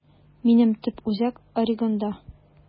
Минем төп үзәк Орегонда.